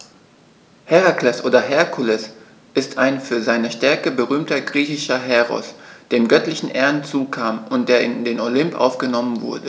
Herakles oder Herkules ist ein für seine Stärke berühmter griechischer Heros, dem göttliche Ehren zukamen und der in den Olymp aufgenommen wurde.